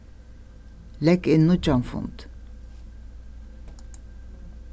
legg inn nýggjan fund